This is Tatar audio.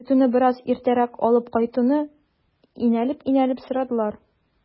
Көтүне бераз иртәрәк алып кайтуны инәлеп-инәлеп сорадылар.